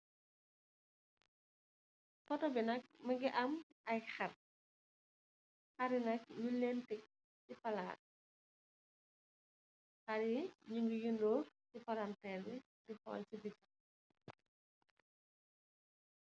Auto bi nak mogi am ay harr hari nak nyu len teg ci palac hari nyu gi yur ndo si palanterr bi di xol si bitee.